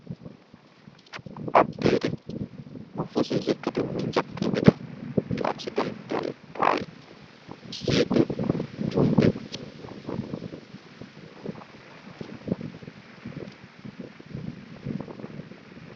Ab teere bu fasal si xat tam bu jankk bi ne, "The accidental bride", seetab njumte bi